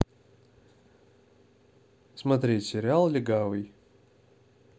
смотреть сериал легавый